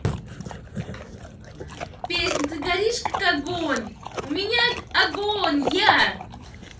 песня ты горишь как огонь у меня агонь я